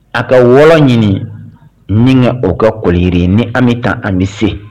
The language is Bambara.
A ka wɔlɔ ɲini nin ka o kɛ koli jiri ye. N'i bɛ taa an bɛ se. 0o